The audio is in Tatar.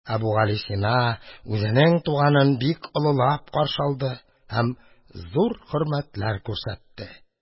Әбүгалисина үзенең туганын бик олылап каршы алды һәм зур хөрмәтләр күрсәтте.